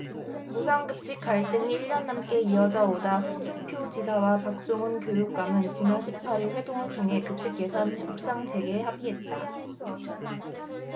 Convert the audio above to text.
무상급식 갈등이 일 년 넘게 이어져 오다 홍준표 지사와 박종훈 교육감은 지난 십 팔 일 회동을 통해 급식예산 협상 재개에 합의했다